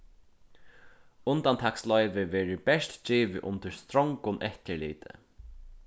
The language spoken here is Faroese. undantaksloyvi verður bert givið undir strongum eftirliti